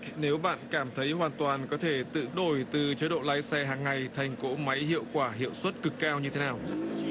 nếu bạn cảm thấy hoàn toàn có thể tự đổi từ chế độ lái xe hằng ngày thành cỗ máy hiệu quả hiệu suất cực cao như thế nào